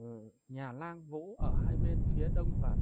nhà lang vũ ở hai bên phía đông và